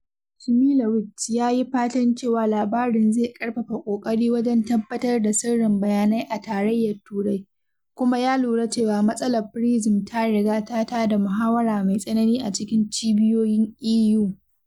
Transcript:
Szymielewicz ya yi fatan cewa labarin zai ƙarfafa ƙoƙari wajen tabbatar da sirrin bayanai a Tarayyar Turai, kuma ya lura cewa “matsalar PRISM” ta riga ta tada “muhawara mai tsanani” a cikin cibiyoyin EU.